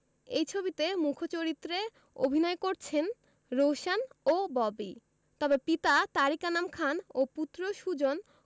এই ছবিতে মূখ চরিত্রে অভিনয় করছেন রোশান ও ববি তবে পিতা তারিক আনাম খান ও পুত্র সুজন